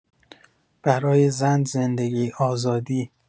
برای زن زندگی آزادی